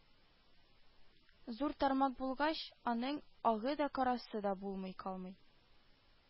Зур тармак булгач, аның “агы да карасы да” булмый калмый